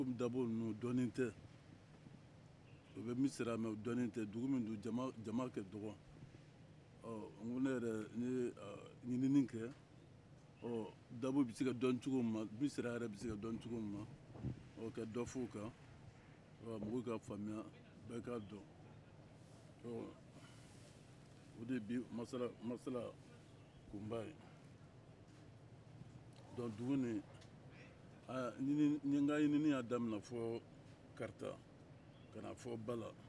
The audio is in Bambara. komi dabɔ ninnu dɔnnen tɛ u bɛ misira mɛ u dɔnnen tɛ dugu min don jama ka dɔgɔ ɔ n ko ne yɛrɛ n ye ɲininni kɛ ɔ dabɔ bɛ se ka dɔn cogo min na missira yɛrɛ bɛ se ka dɔn cogo min na ɔ ka dɔ fɔ o kan mɔgɔw k'a faamuya bɛɛ k'a dɔn ɔ o de ye bi masala kun ba ye donc dugu nin n ka ɲininni y'a daminɛ fɔ karata ka na fɔ ba la